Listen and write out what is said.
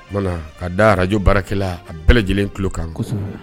O tumana k'a da radio baarakɛla, a bɛɛ lajɛlen tulo kan ,kosɛb.ɛ